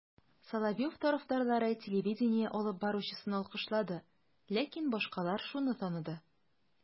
Соловьев тарафдарлары телевидение алып баручысын алкышлады, ләкин башкалар шуны таныды: